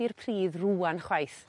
i'r pridd rŵan chwaith.